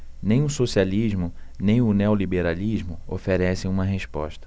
nem o socialismo nem o neoliberalismo oferecem uma resposta